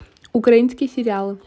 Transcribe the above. украинские сериалы